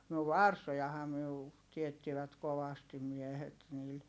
no varsojahan me - teettivät kovasti miehet niillä